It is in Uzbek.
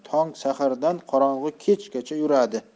tong sahardan qorong'i kechgacha yuradi